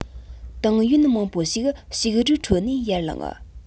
ཏང ཡོན མང པོ ཞིག ཞིག རོའི ཁྲོད ནས ཡར ལངས